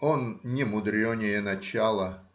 Он не мудренее начала.